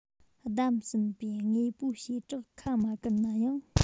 བདམས ཟིན པའི དངོས པོའི བྱེ བྲག ཁ མ བཀར ན ཡང